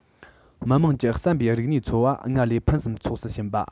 མི དམངས ཀྱི བསམ པའི རིག གནས འཚོ བ སྔར ལས ཕུན སུམ ཚོགས སུ ཕྱིན པ